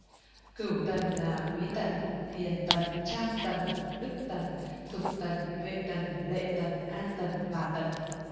cửu tần là quý tần hiền tần trang tần đức tần thục tần huệ tần lệ tần an tần hòa tần